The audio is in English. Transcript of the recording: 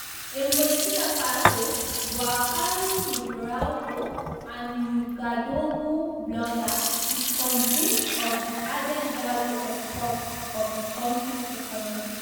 In Burkina Faso, Boukari Ouédraogo, an Ouagadougou blogger, is convinced of the added value of sports for his country's economy.